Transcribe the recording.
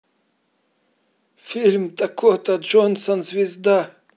фильм дакота джонсон звезда